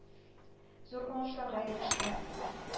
Зур уңышларга иреште.